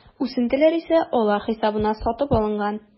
Үсентеләр исә алар хисабына сатып алынган.